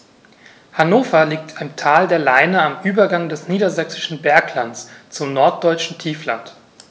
Hannover liegt im Tal der Leine am Übergang des Niedersächsischen Berglands zum Norddeutschen Tiefland.